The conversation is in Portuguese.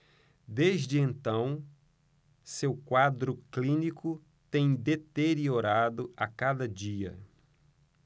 desde então seu quadro clínico tem deteriorado a cada dia